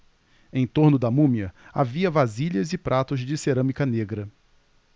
em torno da múmia havia vasilhas e pratos de cerâmica negra